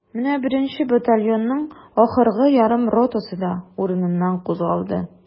Менә беренче батальонның ахыргы ярым ротасы да урыныннан кузгалды.